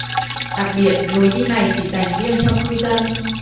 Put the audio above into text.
đặc biệt lối đi này chỉ dành riêng cho cư dân